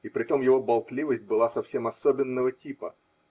и притом его болтливость была совсем особенного типа.